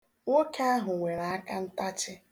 Nwoke ahụ nwere akantachị.